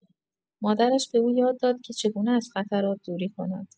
مادرش به او یاد داد که چگونه از خطرات دوری کند.